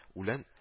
Үлән